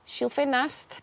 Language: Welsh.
shilff ffenast